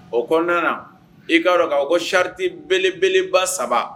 O kɔnɔna i k'a dɔn k' ko sariti belebeleba saba